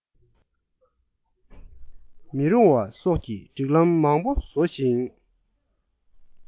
མི རུང བ སོགས ཀྱི སྒྲིག ལམ མང པོ བཟོ ཞིང